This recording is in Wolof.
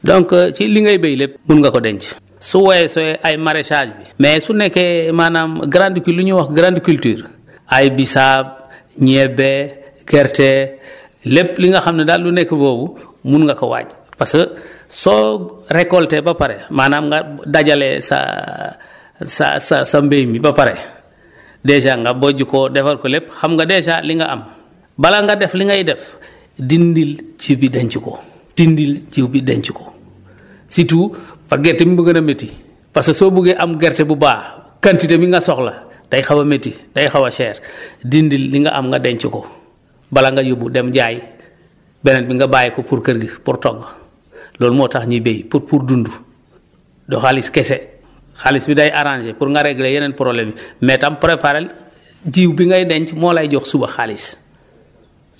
donc ci li ngay béy lépp mun nga ko denc su weesoo ay maraîchage bi mais su nekkee maanaam grande cul li ñuy wax grande culture ay bisaab ñebe gerte lépp li nga xam ne daal lu nekk foofu mun nga ko waaj parce que soo récolté ba pare maanaam nga dajale sa sa sa sa mbéy mi ba pare dèjà nga bojj ko defal ko lépp xam nga dèjà li nga am bala nga def li ngay def dindil ji bi denc ko dindil jiw bi denc ko surtout gerte bi moo gën a métti parce que soo buggee am gerte bu baax quantité bi nga soxla day xaw a métti day xaw a cher dindil li nga am nga denc ko bala nga yóbbu dem jaayi beneen bi ng bàyyi ko pour kër gi pour togg loolu moo tax ñuy béy pour dund du xaalis kese xaalis bi day arrangé pour nga régler yeneen problèmes yi mais tam préparé jiw bi ngay denc moo lay jox suba xaalis